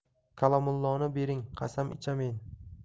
kalomulloni bering qasam ichamen